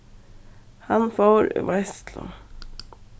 hann fór í veitslu